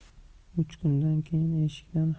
uch kundan keyin eshikdan har